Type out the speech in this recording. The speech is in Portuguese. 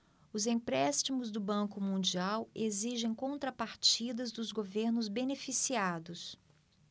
os empréstimos do banco mundial exigem contrapartidas dos governos beneficiados